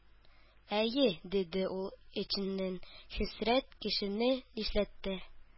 «әйе,— диде ул эченнән,—хәсрәт кешене нишләтә!»